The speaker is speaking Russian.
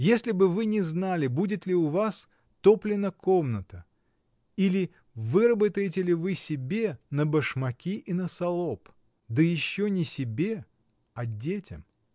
Если б вы не знали, будет ли у вас топлена комната и выработаете ли вы себе на башмаки и на салоп, — да еще не себе, а детям?